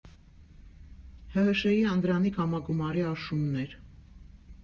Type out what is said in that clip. ՀՀՇ֊ի անդրանիկ համագումարի աշունն էր։